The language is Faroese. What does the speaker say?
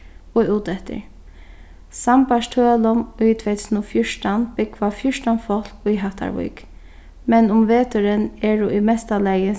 og úteftir sambært tølum í tvey túsund og fjúrtan búgva fjúrtan fólk í hattarvík men um veturin eru í mesta lagi